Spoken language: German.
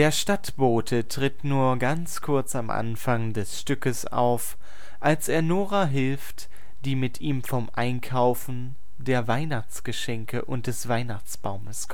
Stadtbote tritt nur ganz kurz am Anfang des Stückes auf, als er Nora hilft, die mit ihm vom Einkaufen der Weihnachtsgeschenke und des Weihnachtsbaumes